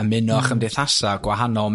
ymuno a chymdeithasa' gwahanol.